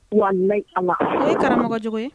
wallahi allah o ye karamɔgɔ cogo ye?